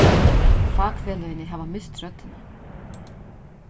fakfeløgini hava mist røddina